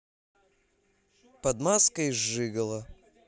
под маской жиголо